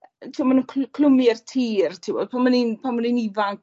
yy t'mo' ma' nw'n clw- clwmu'r tir t'wo' pan o'n i'n pan i'n ifanc